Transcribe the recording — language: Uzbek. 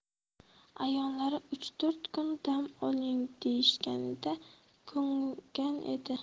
a'yonlari uch to'rt kun dam oling deyishganida ko'ngan edi